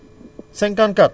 54